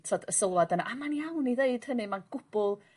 t'od y sylwad yna a mae'n iawn i ddeud hynny ma'n gwbwl